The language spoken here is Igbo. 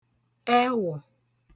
ẹwọ̀